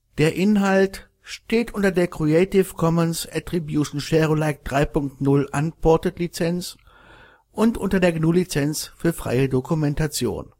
Der Inhalt steht unter der Lizenz Creative Commons Attribution Share Alike 3 Punkt 0 Unported und unter der GNU Lizenz für freie Dokumentation